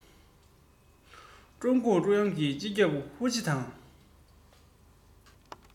ཀྲུང གུང ཀྲུང དབྱང གི སྤྱི ཁྱབ ཧྲུའུ ཅི དང